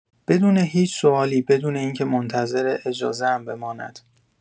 بدون هیچ سوالی، بدون این‌که منتظر اجازه‌ام بماند.